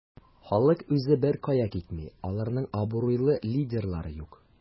Халык үзе беркая китми, аларның абруйлы лидерлары юк.